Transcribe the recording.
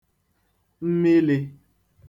mmilī